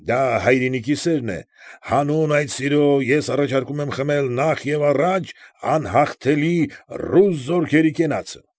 Դա հայրենիքի սերն է։ Հանուն այդ սիրո ես առաջարկում եմ խմել նախ և առաջ անհաղթելի ռուս զորքերի կենացը։ ֊